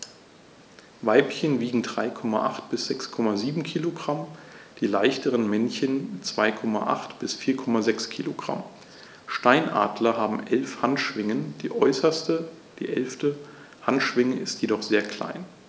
Weibchen wiegen 3,8 bis 6,7 kg, die leichteren Männchen 2,8 bis 4,6 kg. Steinadler haben 11 Handschwingen, die äußerste (11.) Handschwinge ist jedoch sehr klein.